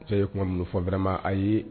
Fɛn ye minnu fɔ wɛrɛma ayi ye